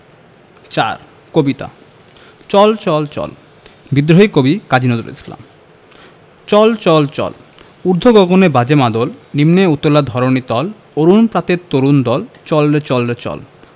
০৪ কবিতা চল চল চল বিদ্রোহী কবি কাজী নজরুল ইসলাম চল চল চল ঊর্ধ্ব গগনে বাজে মাদল নিম্নে উতলা ধরণি তল অরুণ প্রাতের তরুণ দল চল রে চল রে চল